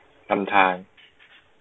นำทาง